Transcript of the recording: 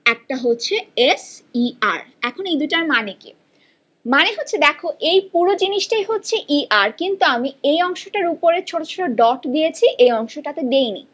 আরেকটা হচ্ছে S E আর এখন এই দুটোর মানে কি মানে হচ্ছে দেখো এই জিনিসটা পুরোটা হচ্ছে ইয়ার কিন্তু আমি এ অংশের উপর ছোট ছোট ডট দিয়েছি এই অংশটাতে দেইনি